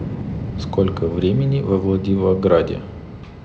сколько времени во владивограде